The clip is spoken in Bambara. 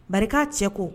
Barika cɛ ko